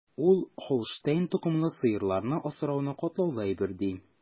Ул Һолштейн токымлы сыерларны асрауны катлаулы әйбер, ди.